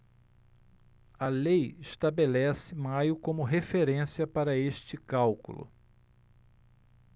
a lei estabelece maio como referência para este cálculo